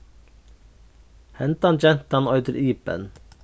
hendan gentan eitur iben